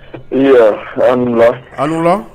Ee a' ni wula, a' ni wula